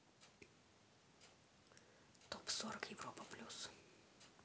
топ сорок европа плюс